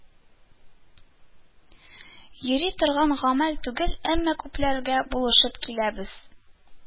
Йөри торган гамәл түгел, әмма күпләргә булышып киләбез